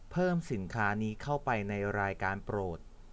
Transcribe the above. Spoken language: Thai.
เพิ่มสินค้านี้เข้าไปในรายการโปรด